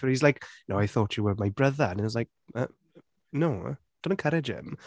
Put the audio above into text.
But he’s like "no, I thought you were my brother." And it’s like no, don’t encourage him.